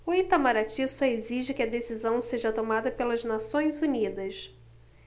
o itamaraty só exige que a decisão seja tomada pelas nações unidas